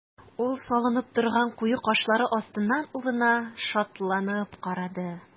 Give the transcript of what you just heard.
Ул салынып торган куе кашлары астыннан улына шатланып карады.